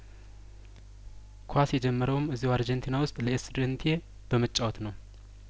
ኳስ የጀመረውም እዚያው አርጀንቲና ውስጥ ለኤስቱዲዬንቴ በመጫወት ነው